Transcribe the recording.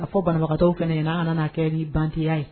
A fɔ banabagatɔw kɛnɛ ɲɛna na ala nana kɛ ni banya ye